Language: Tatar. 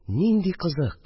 Нинди кызык